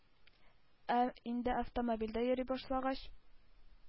Ә инде автомобильдә йөри башлагач,